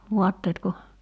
vaatteetko